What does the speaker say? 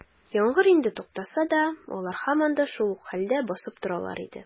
Яңгыр инде туктаса да, алар һаман да шул ук хәлдә басып торалар иде.